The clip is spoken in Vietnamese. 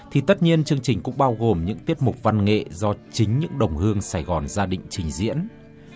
thì tất nhiên chương trình cũng bao gồm những tiết mục văn nghệ do chính những đồng hương sài gòn gia định trình diễn